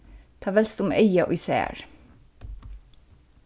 tað veldst um eygað ið sær